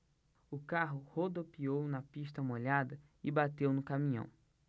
o carro rodopiou na pista molhada e bateu no caminhão